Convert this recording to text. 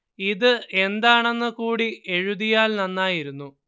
ഇത് എന്താണെന്ന് കൂടി എഴുതിയാല്‍ നന്നായിരുന്നു